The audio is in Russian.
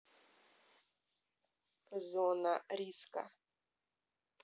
зона риска